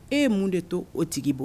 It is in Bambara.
E ye mun de to o tigi bo